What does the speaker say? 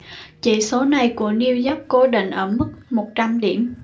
chỉ số này của new york cố định ở mức một trăm điểm